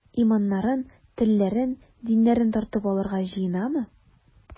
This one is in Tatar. Иманнарын, телләрен, диннәрен тартып алырга җыенамы?